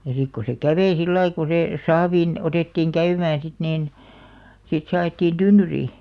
ja sitten kun se kävi sillä lailla kun se saaviin otettiin käymään sitten niin sitten se ajettiin tynnyriin